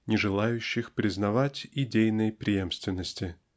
не желающих признавать идейной преемственности.